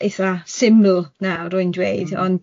eitha syml nawr rwy'n dweud. Ond yy